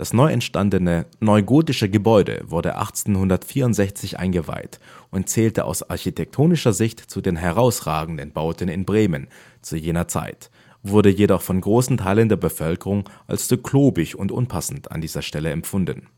neu entstandene neugotische Gebäude wurde 1864 eingeweiht und zählte aus architektonischer Sicht zu den herausragenden Bauten in Bremen zu jener Zeit, wurde jedoch von großen Teilen der Bevölkerung als zu klobig und unpassend an dieser Stelle empfunden